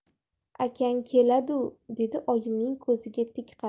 akang keladu dedi oyimning ko'ziga tik qarab